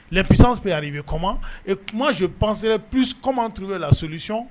Psa bɛ kɔ kumaman ban kɔman tun la solic